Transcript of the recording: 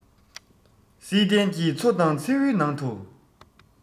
བསིལ ལྡན གྱི མཚོ དང མཚེའུ ནང དུ